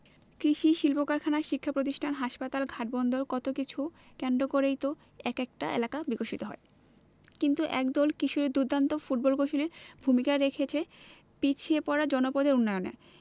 কৃষি শিল্পকারখানা শিক্ষাপ্রতিষ্ঠান হাসপাতাল ঘাট বন্দর কত কিছু কেন্দ্র করেই তো এক একটা এলাকা বিকশিত হয় কিন্তু একদল কিশোরীর দুর্দান্ত ফুটবলশৈলী ভূমিকা রাখছে পিছিয়ে পড়া জনপদের উন্নয়নে